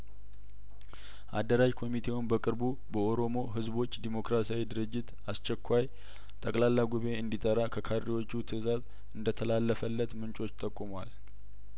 አደራጅ ኮሚቴውም በቅርቡ በኦሮሞ ህዝቦች ዴሞክራሲያዊ ድርጅት አስቸኳይ ጠቅላላ ጉባኤ እንዲጠራ ከካድሬዎቹ ትእዛዝ እንደተላለፈለት ምንጮች ጠቁመዋል